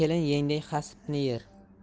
yengdek hasipni yer